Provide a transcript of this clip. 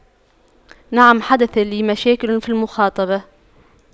نعم حدث لي مشاكل في المخاطبة